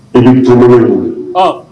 I ni ce don